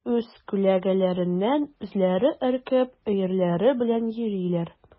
Үз күләгәләреннән үзләре өркеп, өерләре белән йөриләр.